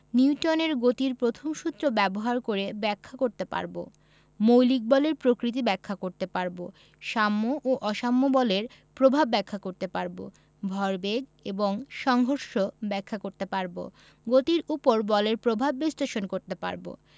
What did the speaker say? নিউটনের গতির প্রথম সূত্র ব্যবহার করে ব্যাখ্যা করতে পারব ⦁ মৌলিক বলের প্রকৃতি ব্যাখ্যা করতে পারব ⦁ সাম্য ও অসাম্য বলের প্রভাব ব্যাখ্যা করতে পারব ⦁ ভরবেগ এবং সংঘর্ষ ব্যাখ্যা করতে পারব ⦁ গতির উপর বলের প্রভাব বিশ্লেষণ করতে পারব